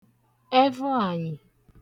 ẹvuànyị̀